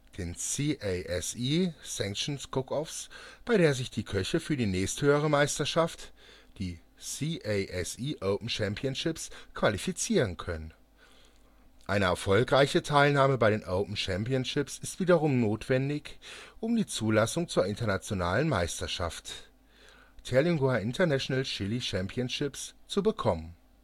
den CASI sanctioned Cookoffs –, bei der sich die Köche für die nächsthöhere Meisterschaft – die CASI Open Championships – qualifizieren können. Eine erfolgreiche Teilnahme bei den Open Championships ist wiederum notwendig, um die Zulassung zur internationalen Meisterschaft TICC (Terlingua International Chili Championship) zu bekommen